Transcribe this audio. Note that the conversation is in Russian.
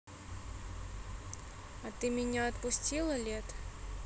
а ты меня отпустила лет